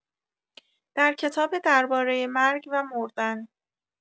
در کتاب درباره مرگ و مردن